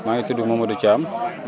maa ngi tudd Mamadou Thiam